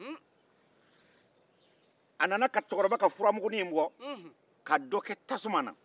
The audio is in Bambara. a nana cɛkɔrɔba ka furamugunin bɔ ka dɔ ke tasuma na